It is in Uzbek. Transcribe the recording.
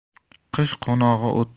qish qo'nog'i o't